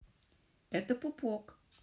это пупок